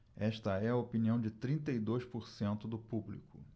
esta é a opinião de trinta e dois por cento do público